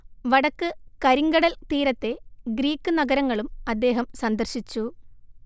വടക്ക് കരിങ്കടൽ തീരത്തെ ഗ്രീക്ക് നഗരങ്ങളും അദ്ദേഹം സന്ദർശിച്ചു